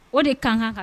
O de kankan kan